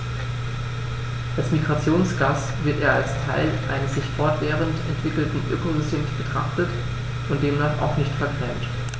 Als Migrationsgast wird er als Teil eines sich fortwährend entwickelnden Ökosystems betrachtet und demnach auch nicht vergrämt.